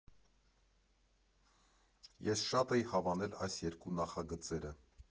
Ես շատ էի հավանել այս երկու նախագծերը։